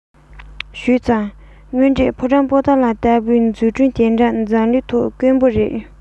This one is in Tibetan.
ཞུས ཙང དངོས འབྲེལ ཕོ བྲང པོ ཏ ལ ལྟ བུའི འཛུགས སྐྲུན དེ འདྲ འཛམ གླིང ཐོག དཀོན པོ རེད